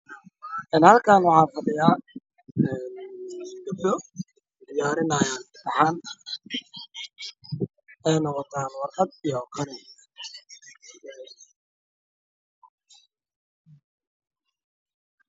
een halkaan waxaa fadhiya gabdho waxey diyaarinaayaan imitaxaan haday noqoto waraaqad iyo qalin